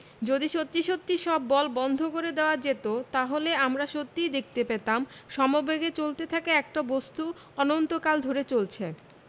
যদি সত্যি সত্যি সব বল বন্ধ করে দেওয়া যেত তাহলে আমরা সত্যিই দেখতে পেতাম সমবেগে চলতে থাকা একটা বস্তু অনন্তকাল ধরে চলছে